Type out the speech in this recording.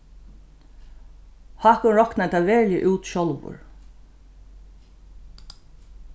hákun roknaði tað veruliga út sjálvur